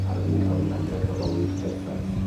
...ar fun ca'l 'i anrheg Nadolig perffaith.